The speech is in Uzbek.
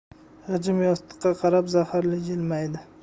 g'ijim yostiqqa qarab zaharli jilmaydi